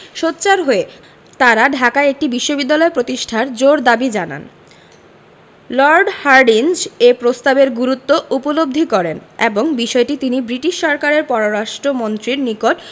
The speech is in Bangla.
সোচ্চার হয়ে তারা ঢাকায় একটি বিশ্ববিদ্যালয় প্রতিষ্ঠার জোর দাবি জানান লর্ড হার্ডিঞ্জ এ প্রস্তাবের গুরুত্ব উপলব্ধি করেন এবং বিষয়টি তিনি ব্রিটিশ সরকারের পররাষ্ট্র মন্ত্রীর নিকট